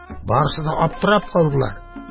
Барысы да аптырап калдылар.